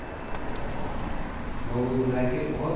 lovullaki ot ko'tarar